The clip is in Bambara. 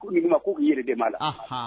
Ko ka nin di ma k'i k'i yɛrɛ dɛm'a la, anhan